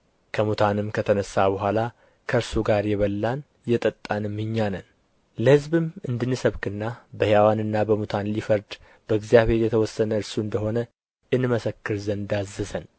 ከሙታንም ከተነሣ በኋላ ከእርሱ ጋር የበላን የጠጣንም እኛ ነን ለሕዝብም እንድንሰብክና በሕያዋንና በሙታን ሊፈርድ በእግዚአብሔር የተወሰነ እርሱ እንደ ሆነ እንመሰክር ዘንድ አዘዘን